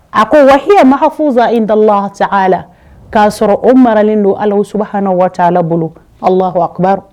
A ko k'a sɔrɔ o maralen don Alahu subahanahu wataala bolo Allahuwakbar